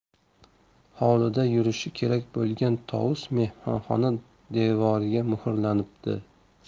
hovlida yurishi kerak bo'lgan tovus mehmonxona devoriga muhrlanibdi